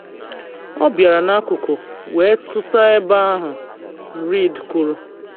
“Ọ bịara n’akụkụ wee tụsa ebe ahụ, “Reed kwuru.